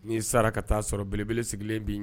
N'i sara ka taa sɔrɔ belebele sigilen b'i